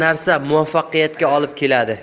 narsa muvaffaqiyatga olib keladi